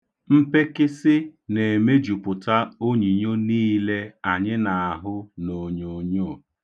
Mpekịsị na-emejupụta onyinyo niile anyị na-ahụ n'onyoonyoo.